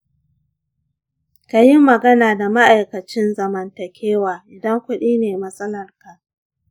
ka yi magana da ma’aikacin zamantakewa idan kuɗi ne matsalarka.